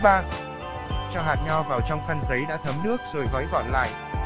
bước cho hạt nho vào trong khăn giấy đã thấm nước rồi gói gọn lại